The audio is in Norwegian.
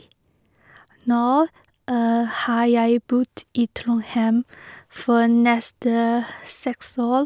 Nå har jeg bodd i Trondheim for nesten seks år.